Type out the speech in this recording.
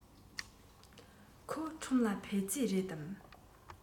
ཁོ ཁྲོམ ལ ཕེབས རྩིས རེད དམ